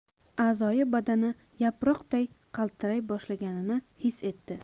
a'zoyi badani yaproqday qaltiray boshlaganini his etdi